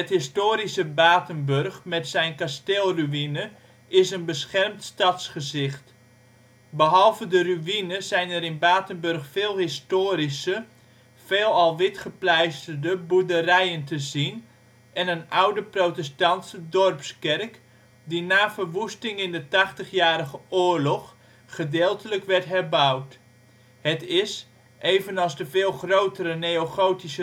historische Batenburg met zijn kasteelruïne is een beschermd stadsgezicht. Behalve de ruïne zijn er in Batenburg veel historische, veelal witgepleisterde boerderijen te zien, en een oude protestantse dorpskerk, die na verwoesting in de Tachtigjarige Oorlog gedeeltelijk werd herbouwd. Het is, evenals de veel grotere neogotische